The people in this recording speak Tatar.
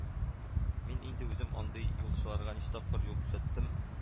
Мин инде үзем андый юлчыларга ничә тапкыр юл күрсәттем: